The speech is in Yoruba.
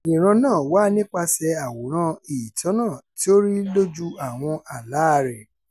Ìran náà wá nípasẹ̀ àwòrán ìtọ́nà tí ó rí lójú àwọn àláa rẹ̀.